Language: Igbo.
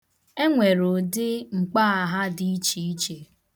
Enwere ụdị mkpọaha dị iche iche.